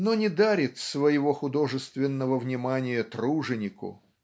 но не дарит своего художественного внимания труженику.